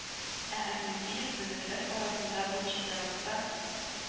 Ә Акинфеев – безнекеләр арасында бу чемпионатта